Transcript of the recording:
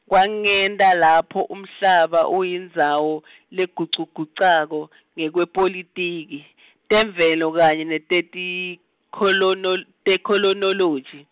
kwengeta lapho umhlaba uyindzawo, legucugucukako, ngekwepolitiki, temvelo kanye netetikholono-, tethekhinoloji.